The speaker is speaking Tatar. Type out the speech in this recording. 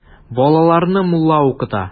Балаларны мулла укыта.